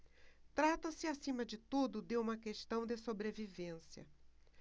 trata-se acima de tudo de uma questão de sobrevivência